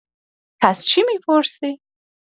پس چی می‌پرسی؟